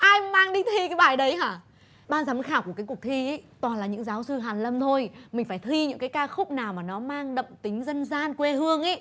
ai mang đi thi cái bài đấy hả ban giám khảo của cái cuộc thi í toàn là những giáo sư hàn lâm thôi mình phải thi những cái ca khúc nào mà nó mang đậm tính dân gian quê hương ý